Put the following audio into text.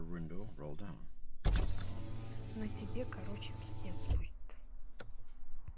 на тебе короче пиздец будет